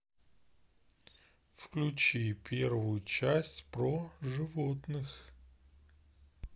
включи первую часть про животных